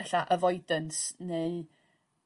ella avoidance neu